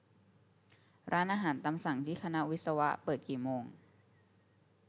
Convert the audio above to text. ร้านอาหารตามสั่งที่คณะวิศวะเปิดกี่โมง